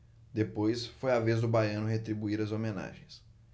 depois foi a vez do baiano retribuir as homenagens